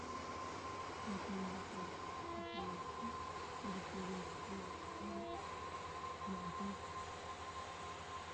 Meeshaan waa jiko midabkeedu waa qaxwi cadaan